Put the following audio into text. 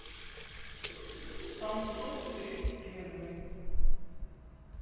samsung тридцать первый